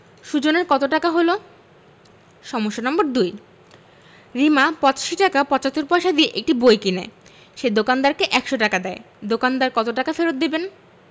সুজনের কত টাকা হলো সমস্যা নম্বর ২ রিমা ৮৫ টাকা ৭৫ পয়সা দিয়ে একটি বই কিনে সে দোকানদারকে ১০০ টাকা দেয় দোকানদার কত টাকা ফেরত দেবেন